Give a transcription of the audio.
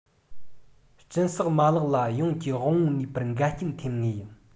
གཅིན ཟགས མ ལག ལ ཡོངས ཀྱི དབང བོའི ནུས པར འགལ རྐྱེན ཐེབས ངེས ཡིན